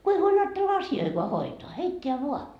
kun ei huoli ajatella asioitakaan hoitaa heittää vain